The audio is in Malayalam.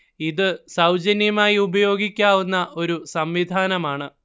ഇത് സൗജന്യമായി ഉപയോഗിക്കാവുന്ന ഒരു സംവിധാനം ആണ്